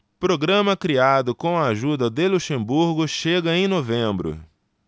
programa criado com a ajuda de luxemburgo chega em novembro